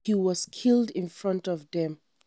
He was killed in front of them.